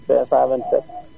527